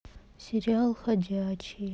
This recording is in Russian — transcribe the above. сериал ходячие